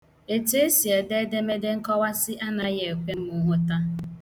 Etu esi ede edemede nkọwasị anaghị ekwe m nghọta